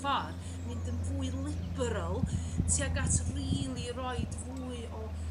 ffor' mynd yn fwy liberal tuag at rili roid fwy o